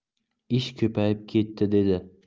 ish ko'payib ketdi dedi